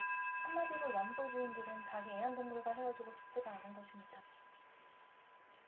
한마디로 염소 주인들은 자기 애완동물과 헤어지고 싶지가 않은 것입니다